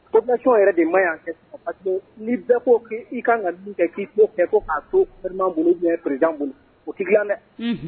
Population yɛrɛ de man ɲi en question . Parceque ni bɛɛ ko i kan ka min kɛ ki to kɛ. Ko ka bɛɛ to Gouvernement bolo oubien président o ti gilan dɛ.